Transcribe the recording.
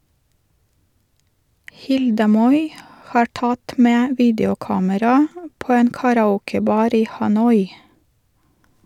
Hilde Moi har tatt med videokamera på en karaokebar i Hanoi.